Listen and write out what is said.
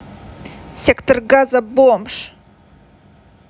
сектор газа бомж